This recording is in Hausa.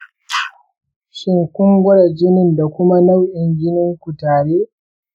shin kun gwada jinin da kuma nau'in jinin ku tare?